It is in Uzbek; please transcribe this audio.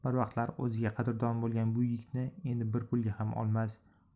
bir vaqtlar o'ziga qadrdon bo'lgan bu yigitni endi bir pulga ham olmas